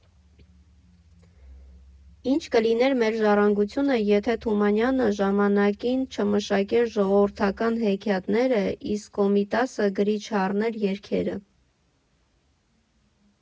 Ի՞նչ կլիներ մեր ժառանգությունը, եթե Թումանյանը ժամանակին չմշակեր ժողովրդական հեքիաթները, իսկ Կոմիտասը գրի չառներ երգերը։